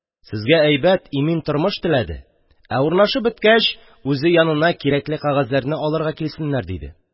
– сезгә әйбәт, имин тормыш теләде, ә урнашып беткәч, үзе янына кирәкле кәгазьләрне алырга килсеннәр, диде...